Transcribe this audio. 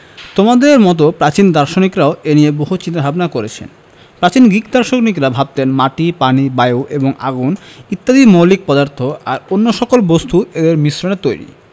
তোমাদের মতো প্রাচীন দার্শনিকেরাও এ নিয়ে বহু চিন্তা ভাবনা করেছেন প্রাচীন গ্রিক দার্শনিকেরা ভাবতেন মাটি পানি বায়ু এবং আগুন ইত্যাদি মৌলিক পদার্থ আর অন্য সকল বস্তু এদের মিশ্রণে তৈরি